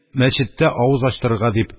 Мәсҗедтә авыз ачтырырга дип,